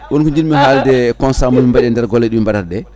wonko jinmi haalde e constat momin mbaɗi e nder golle ɗemin mbaɗata ɗe